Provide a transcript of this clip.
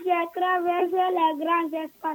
Jɛgɛkurakɛ jɛgɛkurakɛ